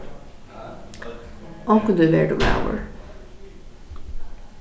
onkuntíð verður tú maður